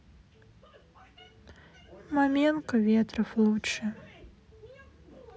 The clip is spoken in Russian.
маменко ветров лучшее